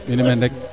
in way meen rek